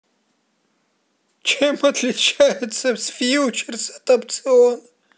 чем отличается фьючерс от опциона